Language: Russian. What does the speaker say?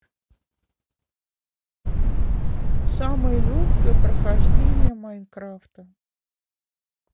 самое легкое прохождение майнкрафта